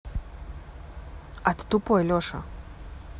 а ты тупой леша